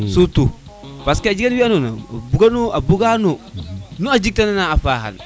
surtout parce que wina ando naye a buga nu nu a jeg tanuna a faxa